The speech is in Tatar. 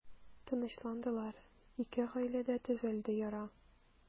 Тынычландылар, ике гаиләдә төзәлде яра.